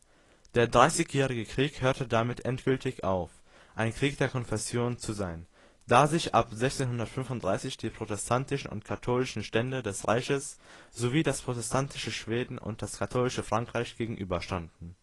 Der Dreißigjährige Krieg hörte damit endgültig auf, ein Krieg der Konfessionen zu sein, da sich ab 1635 die protestantischen und katholischen Stände des Reiches sowie das protestantische Schweden und das katholische Frankreich gegenüberstanden